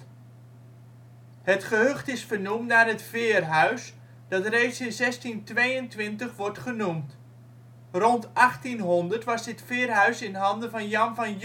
gehucht is vernoemd naar het veerhuis, dat reeds in 1622 wordt genoemd. Rond 1800 was dit veerhuis in handen van Jan van